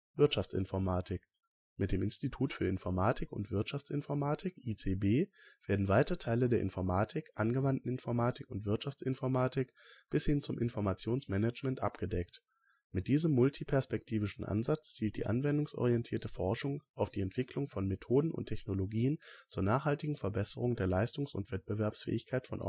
Wirtschaftsinformatik: Mit dem Institut für Informatik und Wirtschaftsinformatik (ICB) werden weite Teile der Informatik, angewandten Informatik und Wirtschaftsinformatik bis hin zum Informationsmanagement abgedeckt. Mit diesem muliperspektivischen Ansatz zielt die anwendungsorientierte Forschung auf die Entwicklung von Methoden und Technologien zur nachhaltigen Verbesserung der Leistungs - und Wettbewerbsfähigkeit von